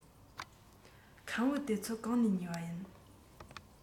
ཁམ བུ དེ ཚོ གང ནས ཉོས པ ཡིན